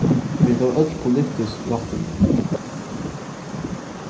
vit hava øll politisk rættindi